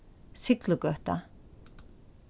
siglugøta